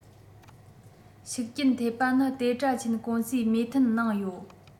ཤུགས རྐྱེན ཐེབས པ ནི དེ དྲ ཆེན ཀུང སིའི མོས མཐུན གནང ཡོད